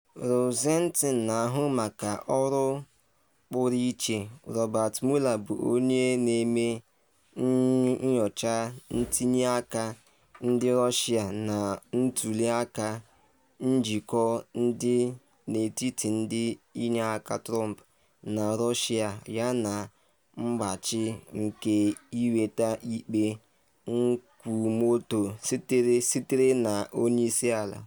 Rosenstein na-ahụ maka ọrụ pụrụ iche Robert Mueller bụ onye na-eme nyocha ntinye aka ndị Russia na ntuli aka, njikọ dị n’etiti ndị inyeaka Trump na Russia yana mgbachi nke inweta ikpe nkwumọtọ sitere na onye isi ala.